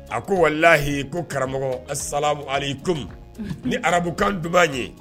A ko walahiyi ko karamɔgɔsa ali komim ni arabukan duman b'a ye